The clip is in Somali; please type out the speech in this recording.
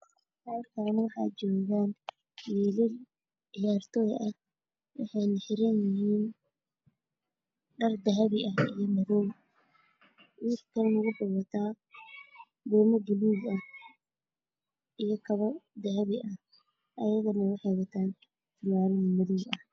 Meeshaan waxaa joogo wiilal cayaartooy ah waxay xiran yihiin dhar dahabi iyo madow. Wiil kalana waxuu wataa buume gaduud ah iyo kabo dahabi ah. Ayagana waxay wataan dhar madow ah.